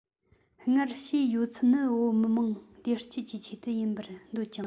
སྔར བྱས ཡོད ཚད ནི བོད མི དམངས བདེ སྐྱིད ཀྱི ཆེད དུ ཡིན པར འདོད ཀྱང